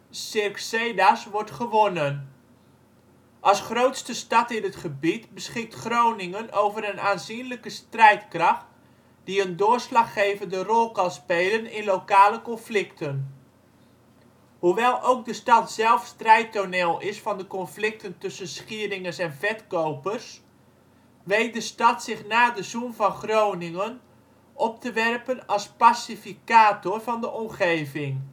de Cirksena 's wordt gewonnen. Als grootste stad in het gebied beschikt Groningen over een aanzienlijke strijdkracht die een doorslaggevende rol kan spelen in lokale conflicten. Hoewel ook de stad zelf strijdtoneel is van de conflicten tussen Schieringers en Vetkopers weet de stad zich na de zoen van Groningen op te werpen als pacificator van de omgeving